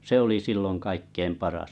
se oli silloin kaikkein paras